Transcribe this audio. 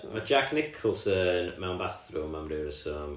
ma' Jack Nicholson mewn bathrwm am ryw reswm